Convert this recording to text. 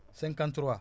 53